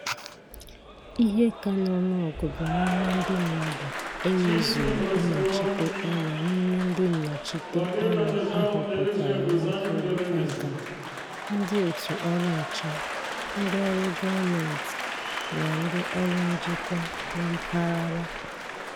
Ihe ka n'ọnụọgụgụ n'ime ndị mmadụ enwezughị nnọchiteanya n'ime ndị nnọchiteanya a họpụtara na ntụli aka, ndị òtù ọrụ nche, ndị ọrụ gọọmentị na ndị ọrụ njikwa na mpaghara.